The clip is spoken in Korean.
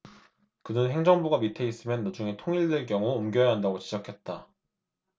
그는 행정부가 밑에 있으면 나중에 통일될 경우 옮겨야 한다고 지적했다